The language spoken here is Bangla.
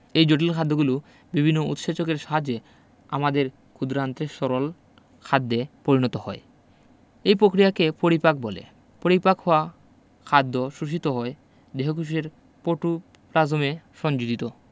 এই জটিল খাদ্যগুলো বিভিন্ন উৎসেচকের সাহায্যে আমাদের ক্ষুদ্রান্তে সরল খাদ্যে পরিণত হয় এই পক্রিয়াকে পরিপাক বলে পরিপাক হওয়া খাদ্য শোষিত হয়ে দেহকোষের পোটোপ্লাজমে সংযুজিত